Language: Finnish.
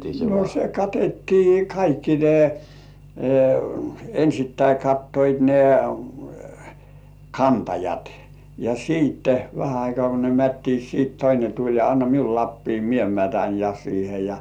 no se katettiin kaikki ne ensin kattoivat ne kantajat ja sitten vähän aikaa kun ne mättivät sitten toinen tuli ja anna minulle lapio minä mätän ja siihen ja